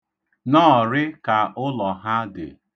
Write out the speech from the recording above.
Nọọ̀rị, ka ụlọ ha dị.